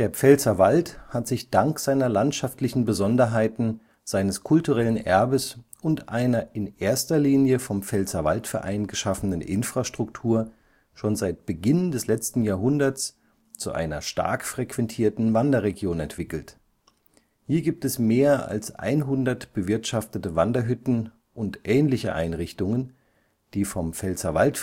Pfälzerwald hat sich dank seiner landschaftlichen Besonderheiten, seines kulturellen Erbes und einer in erster Linie vom Pfälzerwald-Verein geschaffenen Infrastruktur schon seit Beginn des letzten Jahrhunderts zu einer stark frequentierten Wanderregion entwickelt. Hier gibt es mehr als 100 bewirtschaftete Wanderhütten und ähnliche Einrichtungen, die vom Pfälzerwald-Verein